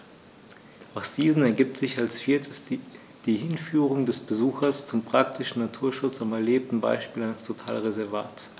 Aus diesen ergibt sich als viertes die Hinführung des Besuchers zum praktischen Naturschutz am erlebten Beispiel eines Totalreservats.